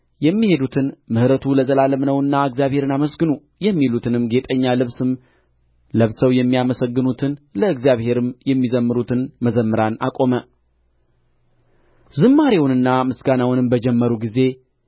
የሚሄዱትን ምሕረቱ ለዘላለም ነውና እግዚአብሔርን አመስግኑ የሚሉትንም ጌጠኛ ልብስም ለብሰው የሚያመሰግኑትን ለእግዚአብሔርም የሚዘምሩትን መዘምራን አቆመ ዝማሬውንና ምስጋናውንም በጀመሩ ጊዜ